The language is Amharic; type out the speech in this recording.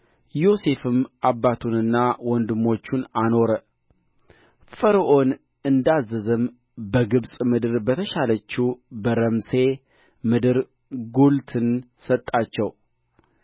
ዮሴፍም አባቱንና ወንድሞቹን አኖረ ፈርዖን እንዳዘዘም በግብፅ ምድር በተሻለችው በራምሴ ምድር ጉልትን ሰጣቸው